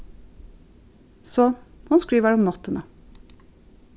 so hon skrivar um náttina